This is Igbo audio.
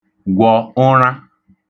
gwọ̀ ụṙa